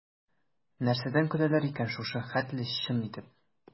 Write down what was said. Нәрсәдән көләләр икән шушы хәтле чын итеп?